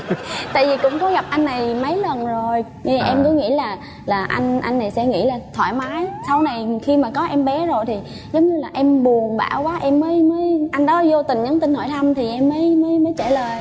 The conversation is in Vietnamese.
tại vì cũng có gặp anh này mấy lần rồi như em cứ nghĩ là là anh anh này sẽ nghĩ là thoải mái sau này khi mà có em bé rồi thì giống như là em buồn bã quá em mới mới anh đó vô tình nhắn tin hỏi thăm thì em mới mới mới trả lời